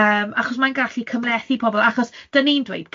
Yym achos mae'n gallu cymhlethu pobl achos 'dan ni'n dweud